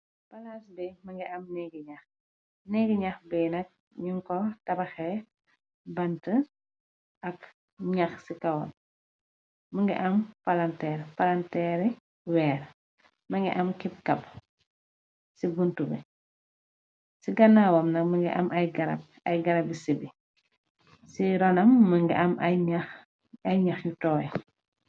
Palas bi më nge ame neggi ñax neggi ñax bee nak ñuñ ko tabaxe bant ak ñax ci kawoon më nga am planteer palanteeri weer më ngi am kib kab ci guntu bi ci ganawam nag më ngi am ay garb ay garab bi si bi ci ronam më nga am ay ñax yu tooy.